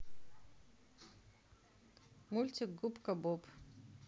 мультик губка боб